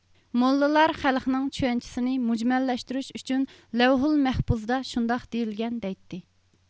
موللىلار خەلقنىڭ چۈشەنچىسىنى مۈجمەللەشتۈرۈش ئۈچۈن لەۋھۇلمەھپۇزدا شۇنداق دېيىلگەن دەيتتى